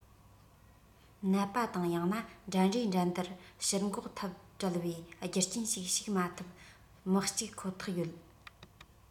ནད པ དང ཡང ན འགྲན རའི འགྲན བསྡུར ཕྱིར འགོག ཐབས བྲལ བའི རྒྱུ རྐྱེན ཞིག ཞུགས མ ཐུབ མི གཅིག ཁོ ཐག ཡོད